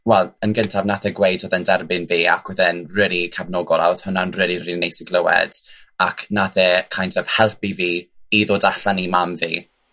wel yn gyntaf nath e gweud odd e'n derbyn fi ac wedd e'n rili cefnogol a odd hwnna yn rili rili neis i glywed, ac nath e kind of helpu i fi i ddod allan i mam fi.